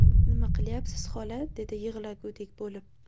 nima qilyapsiz xola dedi yig'lagudek bo'lib